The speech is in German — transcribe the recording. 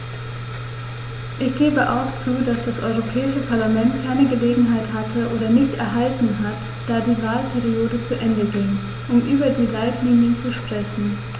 Ich gebe auch zu, dass das Europäische Parlament keine Gelegenheit hatte - oder nicht erhalten hat, da die Wahlperiode zu Ende ging -, um über die Leitlinien zu sprechen.